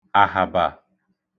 Àhàbà